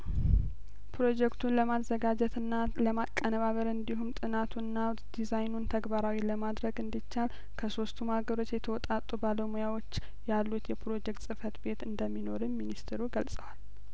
ፕሮጀክቱን ለማዘጋጀትና ለማቀነባበር እንዲሁም ጥናቱና ዲዛይኑን ተግባራዊ ለማድረግ እንዲቻል ከሶስቱም ሀገሮች የተውጣጡ ባለሙያዎች ያሉት የፕሮጀክት ጽፈት ቤት እንደሚኖርም ሚኒስትሩ ገልጸዋል